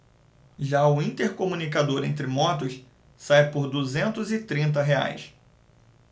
já o intercomunicador entre motos sai por duzentos e trinta reais